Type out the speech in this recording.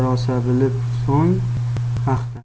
rosa bilib so'ng maqta